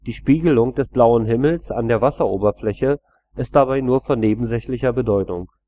Spiegelung des blauen Himmels an der Wasseroberfläche ist dabei nur von nebensächlicher Bedeutung